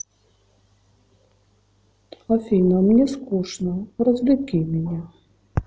афина мне скучно развлеки меня